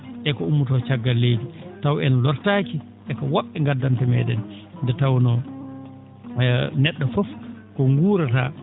eko ummotoo caggal leydi taw en lortaaki e ko wo??e ngaddanta mee?en nde tawnoo ne??o fof ko nguurataa koo